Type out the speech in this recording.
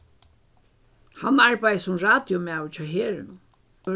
hann arbeiðir sum radiomaður hjá herinum